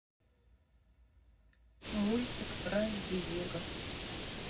мультик про диего